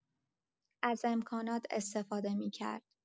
از امکانات استفاده می‌کرد.